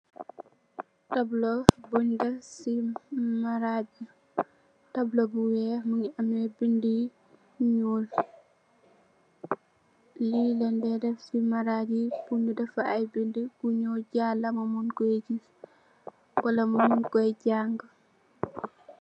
Tabla bun def si marai bi.tapla bu wey mu ameh binda yu ñuul. Le len thy def si marai yi purr sunyo jala nu mon koi giss ko janga